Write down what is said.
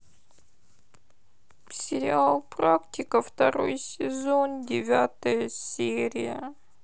сериал практика второй сезон девятая серия